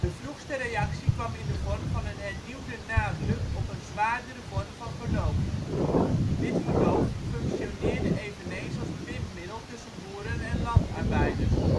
vroegste reactie kwam in de vorm van een hernieuwde nadruk op een zwaardere vorm van geloof. Dit geloof functioneerde eveneens als bindmiddel tussen boeren en landarbeiders